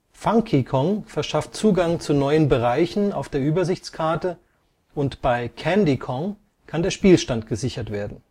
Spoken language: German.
Funky Kong verschafft Zugang zu neuen Bereichen auf der Übersichtskarte, und bei Candy Kong kann der Spielstand gesichert werden